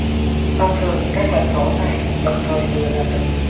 thông thường các lãnh thổ này đồng thời vừa là tỉnh